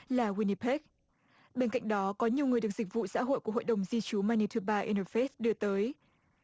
là guyn ni pếch bên cạnh đó có nhiều người được dịch vụ xã hội của hội đồng di trú ma ni tuê ba in tơ pếch đưa tới